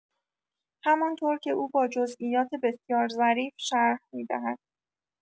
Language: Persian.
همان‌طور که او با جزئیات بسیار ظریف شرح می‌دهد.